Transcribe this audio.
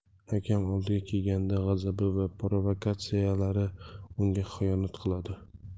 hakam oldiga kelganda g'azabi va provokatsiyalari unga xiyonat qiladi